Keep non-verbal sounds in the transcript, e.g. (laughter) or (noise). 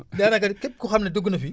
(laughs) daanaka képp koo xam ne dugg na fi